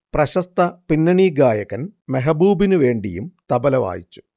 പ്രശസ്ത പിന്നണിഗായകൻ മെഹബൂബിനു വേണ്ടിയും തബല വായിച്ചു